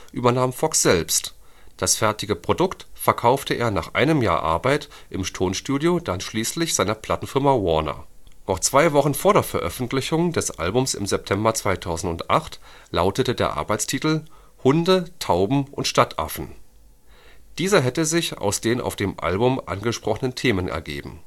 übernahm Fox selbst, das fertige Produkt verkaufte er nach einem Jahr Arbeit im Tonstudio dann schließlich seiner Plattenfirma Warner. Noch zwei Wochen vor der Veröffentlichung des Albums im September 2008 lautete der Arbeitstitel „ Hunde, Tauben und Stadtaffen “. Dieser hätte sich aus den auf dem Album angesprochenen Themen ergeben